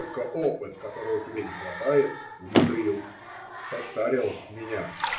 только опыт, которого тебе не хватает, умудрил и состарил меня.